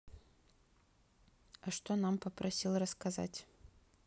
а что нам попросил рассказать